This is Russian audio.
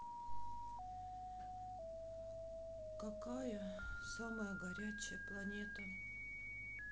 какая самая горячая планета